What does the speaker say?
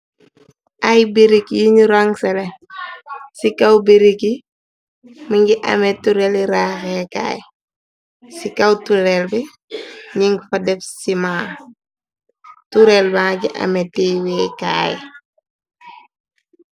Ay birig yi ñu rongsele ci kaw birig yi ni ngi amé tureli raxeekaay ci kaw turel bi ning fa def ci ma tureel ba gi amé teyeekaay.